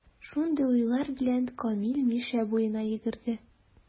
Шундый уйлар белән, Камил Мишә буена йөгерде.